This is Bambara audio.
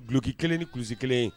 G duloki kelen ni gutu kelen